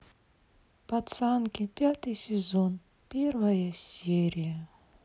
пацанки пятый сезон первая серия